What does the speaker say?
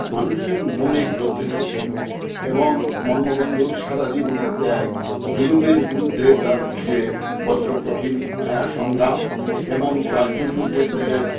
মানুষের মনে গ্রন্থিত ছিল এবং বঙ্গবন্ধু সারা জীবনের ত্যাগ জুলুমের বিরুদ্ধে তার যে বজ্রকঠিন সংগ্রাম এবং তার জন্য যে